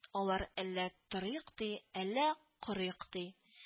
Алар әллә торыйк ди, әллә корыйк ди